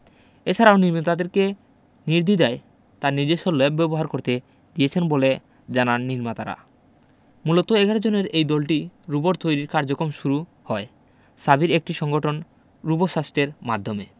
এছাড়াও নির্মাতাদেরকে নির্দ্বিধায় তার নিজস্ব ল্যাব ব্যবহার করতে দিয়েছেন বলে জানান নির্মাতারামূলত ১১ জনের এই দলটির রোবট তৈরির কার্যক্রম শুরু হয় শাবির একটি সংগঠন রোবোসাস্টের মাধ্যমে